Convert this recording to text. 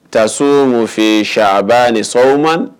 Taa so mun fɛ saba ni so man